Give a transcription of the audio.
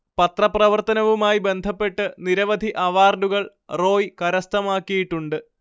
പത്രപ്രവർത്തനവുമായി ബന്ധപ്പെട്ട് നിരവധി അവാർഡുകൾ റോയ് കരസ്ഥമാക്കിയിട്ടുണ്ട്